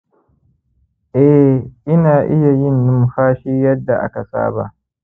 eh, ina iya yin numfashi yadda aka saba